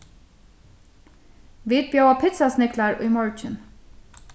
vit bjóða pitsasniglar í morgin